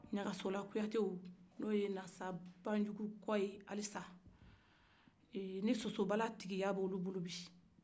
ɲagasola kuyatew olu ye nasa banjugu kɔ ye halisa eee ni sosobala bɛ olu bolo bi